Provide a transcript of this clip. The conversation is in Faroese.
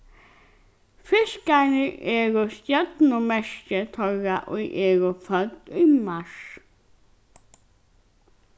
fiskarnir eru stjørnumerki teirra ið eru fødd í mars